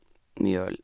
Mye øl.